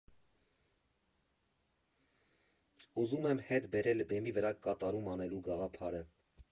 Ուզում եմ հետ բերել բեմի վրա կատարում անելու գաղափարը.